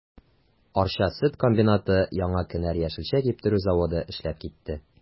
Арча сөт комбинаты, Яңа кенәр яшелчә киптерү заводы эшләп китте.